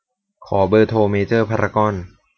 ขอเบอร์โทรเมเจอร์พารากอน